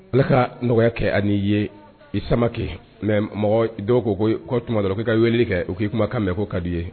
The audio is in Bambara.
Alah ka nɔgɔya kɛ ani i ye i Samakɛ mais mɔgɔ dɔw ko ko tuma dɔ la k'i ka weleli kɛ o k'i kuma kan mɛn k'o kadi u ye!